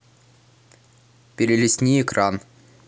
перелистни экран